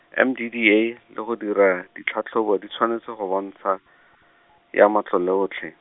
M D D A, le go dira, ditlhatlhobo di tshwanetse go bontsha , ya matlole otlhe.